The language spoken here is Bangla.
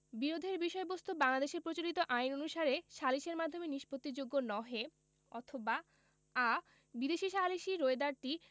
বিরোধের বিষয়বস্তু বাংলাদেশে প্রচলিত আইন অনুসারে সালিসের মাধ্যমে নিষ্পত্তিযোগ্য নহে অথবা আ বিদেশী সালিসী রোয়েদাদটি